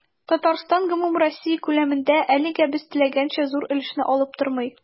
Татарстан гомумроссия күләмендә, әлегә без теләгәнчә, зур өлешне алып тормый.